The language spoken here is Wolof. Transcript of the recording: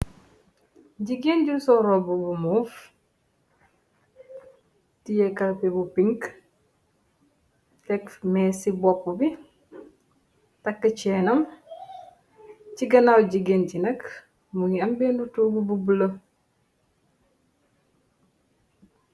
Jigéen ju sol roba bu muuf tiye kalpe bu pink teg mess ci bopp bi takka ceenam ci ganaaw jigéen ci nak mungi am togu bu bolu.